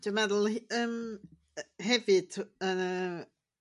Dwi'n meddwl hi- yym yy hefyd yn y...